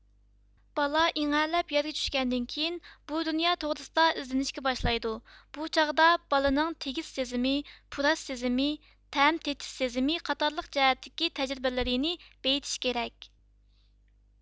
بالا ئىڭەللەپ يەرگە چۈشكەندىن كېيىن بۇ دۇنيا توغرىسىدا ئىزدىنىشكە باشلايدۇ بۇ چاغدا بالىنىڭ تېگىش سېزىمى پۇراش سېزىمى تەم تېتىش سېزىمى قاتارلىق جەھەتتىكى تەجرىبىلىرىنى بېيىتىش كېرەك